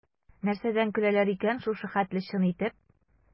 Нәрсәдән көләләр икән шушы хәтле чын итеп?